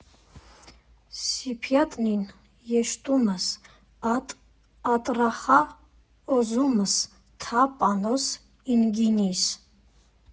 Սիփյատնին յեշումըս, ատ ստռախա օզումս թա պանոս ինգինիս։